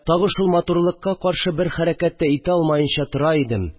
Тагы шул матурлыкка каршы бер хәрәкәт тә итә алмаенча тора идем